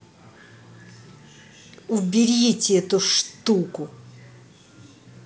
уберите эту штуку